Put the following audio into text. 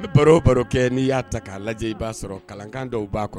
N bI baro o baro kɛ n'i y'a ta k'a lajɛ i b'a sɔrɔ kalankan dɔw b'a kɔ